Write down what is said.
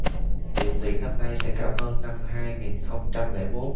điểm tuyển năm nay sẽ cao hơn năm hai nghìn không trăm lẻ bốn